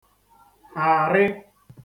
àrị